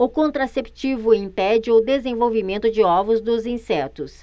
o contraceptivo impede o desenvolvimento de ovos dos insetos